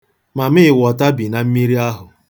Mamịịwọta bi na mmiri ahụ.